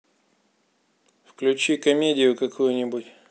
включи комедию какую нибудь